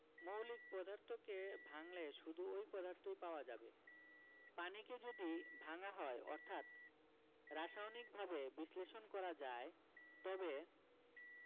মৌলিক পদার্থকে ভাঙলে শুধু ঐ পদার্থই পাওয়া যাবে পানিকে যদি ভাঙা হয় অর্থাৎ রাসায়নিকভাবে বিশ্লেষণ করা যায় তবে